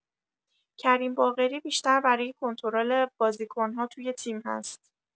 کریم باقری بیشتر برای کنترل بازیکن‌ها توی تیم هست.